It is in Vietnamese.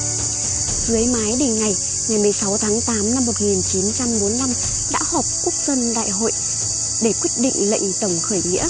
dưới mái đình này ngày tháng năm đã họp quốc dân đại hội để quyết định lệnh tổng khởi nghĩa